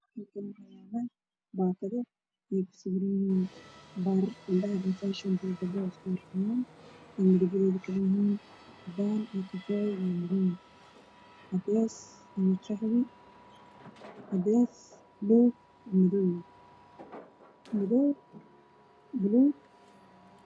Waa boombalo waxaa ku sawiran Indho